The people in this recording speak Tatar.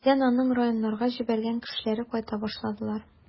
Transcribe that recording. Тиздән аның районнарга җибәргән кешеләре кайта башладылар.